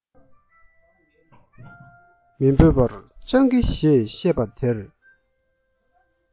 མི འབོད པར སྤྱང ཀི ཞེས བཤད པ དེར